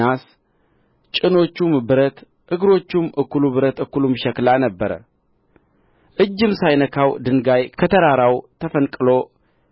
ናስ ጭኖቹም ብረት እግሮቹም እኩሉ ብረት እኩሉም ሸክላ ነበረ እጅም ሳይነካው ድንጋይ ከተራራው ተፈንቅሎ